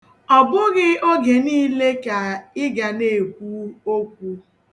Ọ bụghị oge niile ka ị ga na-ekwu okwu.